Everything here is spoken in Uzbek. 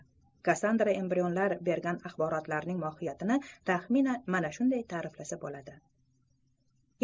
kassandra embrionlar bergan axborotlarning mohiyatini taxminan mana shunday ta'riflasa bo'ladi